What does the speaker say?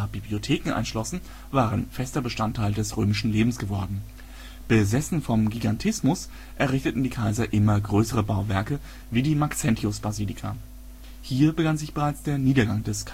Bibliotheken einschlossen, waren fester Bestandteil des römischen Lebens geworden. Besessen vom Gigantismus errichteten die Kaiser immer größere Bauwerke, wie die Maxentiusbasilika. Hierin begann sich bereits der Niedergang des